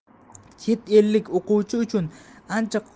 chet ellik o'quvchi uchun ancha